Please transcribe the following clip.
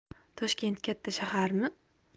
toshkent katta shaharmi